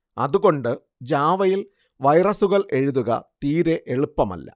അതുകൊണ്ട് ജാവയിൽ വൈറസുകൾ എഴുതുക തീരെ എളുപ്പമല്ല